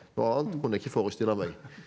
noe annet kunne jeg ikke forestille meg.